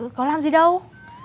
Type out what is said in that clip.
có làm gì đâu